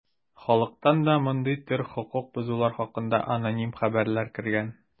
Халыктан да мондый төр хокук бозулар хакында аноним хәбәрләр кергән.